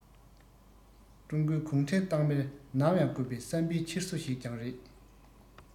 ཀྲུང གོའི གུང ཁྲན ཏང མིར ནམ ཡང དགོས པའི བསམ པའི འཁྱེར སོ ཞིག ཀྱང རེད